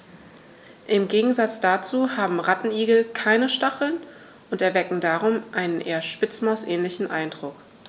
Im Gegensatz dazu haben Rattenigel keine Stacheln und erwecken darum einen eher Spitzmaus-ähnlichen Eindruck.